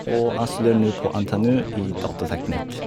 Og jeg studerer nå på NTNU i datateknikk.